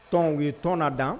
Tɔnw ye tɔn na dan